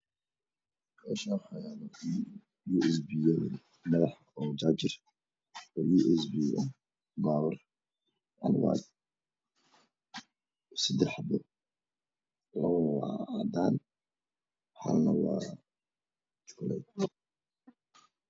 Meshaan waxaa yaalo Yuuespii madaxa jaajarka paawar sadax xapo laapa waa cadaana halakanwaa jokaleed